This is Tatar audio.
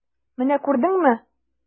Менә күрдеңме!